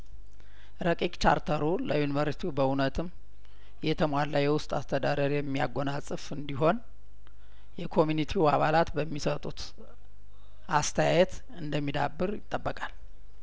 ረቂቅ ቻርተሩ ለዩኒቨርስቲው በእውነትም የተሟላ የውስጥ አስተዳደር የሚያጐናጽፍ እንዲሆን የኮሙኒቲው አባላት በሚሰጡት አስተያየት እንደሚዳብር ይጠበቃል